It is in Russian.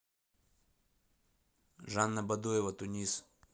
жанна бадоева тунис